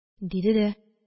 Диде дә